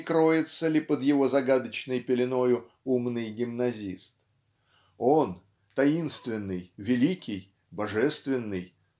не кроется ли под его загадочной пеленою умный гимназист. Он таинственный великий божественный